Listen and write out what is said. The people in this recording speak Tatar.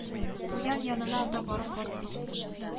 Буян янынада барып басты ул